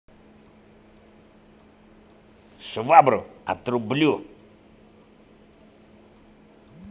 швабру отрублю